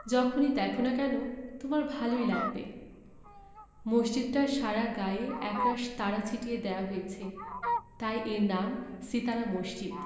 যখনি দ্যাখো না কেন ভালো তোমার লাগবেই মসজিদটার সারা গায়ে একরাশ তারা ছিটিয়ে দেয়া হয়েছে তাই এর নাম সিতারা মসজিদ